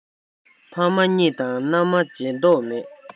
ཕ མ གཉིས དང མནའ མ བརྗེ མདོག མེད